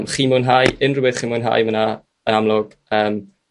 chi'n mwynhau unrhyw beth chi'n mwynhau ma' 'na yn amlwg ymm